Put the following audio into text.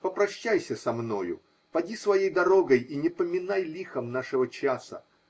Попрощайся со мною, поди своей дорогой и не поминай лихом нашего часа.